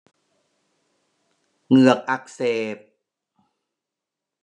เหงือกอักเสบ